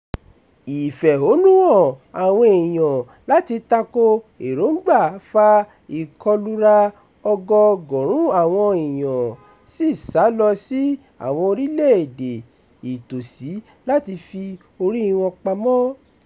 Ìfẹ̀hónúhàn àwọn èèyàn láti tako èròńgbà fa ìkọlura, ọgọọgọ̀rún àwọn èèyàn sì sá lọ sí àwọn orílẹ̀-èdè ìtòsí láti fi oríi wọn pamọ.”